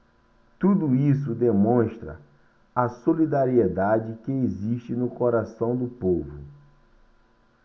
tudo isso demonstra a solidariedade que existe no coração do povo